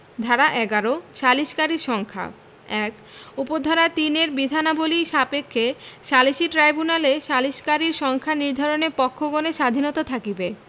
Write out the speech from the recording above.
ধারা ১১ সালিসকারীর সংখ্যাঃ ১ উপ ধারা ৩ এর বিধানাবলী সাপেক্ষে সালিসী ট্রাইব্যুনালের সালিসকারীর সংখ্যা নির্ধারণে পক্ষগণের স্বাধীনতা থাকিবে